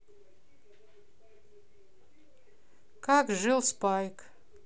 как жил спайк